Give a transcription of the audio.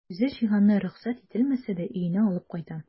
Үзе җыйганны рөхсәт ителмәсә дә өенә алып кайта.